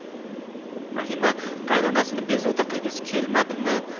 rahima qayinonasini bezovta qilgisi kelmadimi